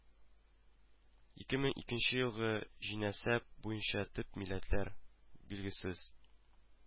Ике мең икенче елгы җинәсәп буенча төп милләтләр: билгесез